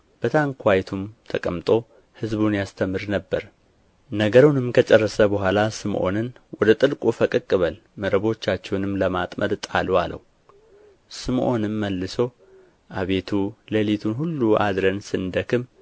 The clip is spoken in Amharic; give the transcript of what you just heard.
በታንኳይቱም ተቀምጦ ሕዝቡን ያስተምር ነበር ነገሩንም ከጨረሰ በኋላ ስምዖንን ወደ ጥልቁ ፈቀቅ በል መረቦቻችሁንም ለማጥመድ ጣሉ አለው ስምዖንም መልሶ አቤቱ ሌሊቱን ሁሉ አድረን ስንደክም